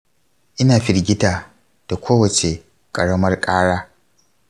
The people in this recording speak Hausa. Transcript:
ina firgita da kowace ƙaramar ƙara.